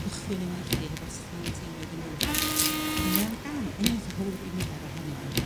cychwyn unieithu hefo sut ma' hynny teimlo iddyn nhw hefyd ond mae o'n gam enfawr i nifer ohonyn nhw.